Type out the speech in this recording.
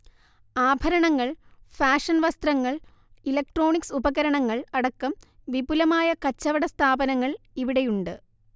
ആഭരണങ്ങൾ, ഫാഷൻ വസ്ത്രങ്ങൾ, ഇലക്ട്രോണിക്സ് ഉപകരണങ്ങൾ, അടക്കം വിപുലമായ കച്ചവട സ്ഥാപനങ്ങൾ ഇവിടെയുണ്ട്